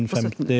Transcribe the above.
på.